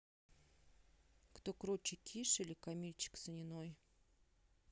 кто круче киш или камильчик саниной